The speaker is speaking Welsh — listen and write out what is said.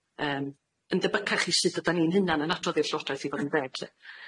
Yym yn debycach i sut ydan ni'n hunan yn adroddi'r Llywodraeth i fod yn ddeg lly.